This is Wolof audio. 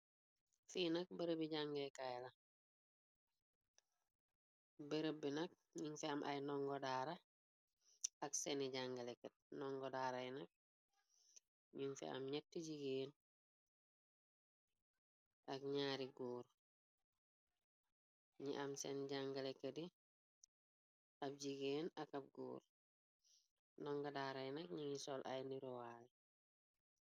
Fi nak bërëbbi jàngakaay la, bërëbbi nak, ñuñ fi am ay ndongo daara ak seni jàngalekat. ndongo daaray nak ñuñ fa am gñett jigeen ak ñaari góor, ñi am seen jàngalekati ab jigeen ak ab góor ndongo daaray nak ñingi sol ay nirowaale.